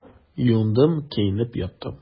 Юындым, киенеп яттым.